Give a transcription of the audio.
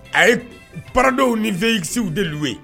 A ye Prado ni V-X de louer .